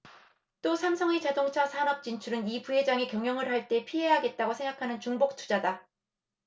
또 삼성의 자동차 산업 진출은 이 부회장이 경영을 할 때 피해야겠다고 생각하는 중복 투자다